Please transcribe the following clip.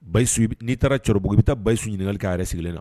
Basi n'i taara cugu i bɛ taa basi su ɲinili ka a yɛrɛ sigilen na